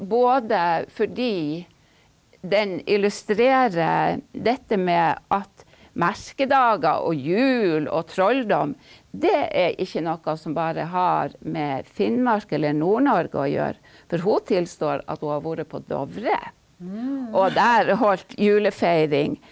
både fordi den illustrerer dette med at merkedager og jul og trolldom det er ikke noe som bare har med Finnmark eller Nord-Norge å gjøre, for hun tilstår at hun har vært på Dovre og der holdt julefeiring.